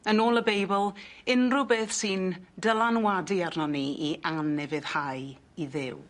Yn ôl y Beibl unryw beth sy'n dylanwadu arnon ni i anufuddhau i Dduw.